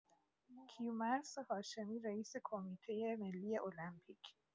کیومرث هاشمی رئیس کمیته ملی المپیک